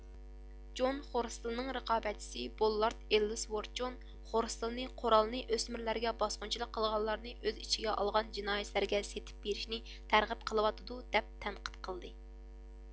جون خورستىلنىڭ رىقابەتچىسى بوللارد ئېللىسۋورتجون خورستىلنى قورالنى ئۆسمۈرلەرگە باسقۇنچىلىق قىلغانلارنى ئۆز ئىچىگە ئالغان جىنايەتچىلەرگە سېتىپ بېرىشنى تەرغىب قىلىۋاتىدۇ دەپ تەنقىد قىلدى